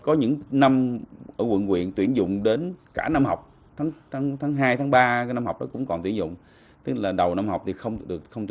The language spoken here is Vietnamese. có những nằm ở quận quyện tuyển dụng đến cả năm học tháng tháng tháng hai tháng ba năm học đó cũng còn tuyển dụng tức là đầu năm học thì không tuyển không